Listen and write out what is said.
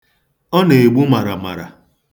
Ọ na-egbu maramara.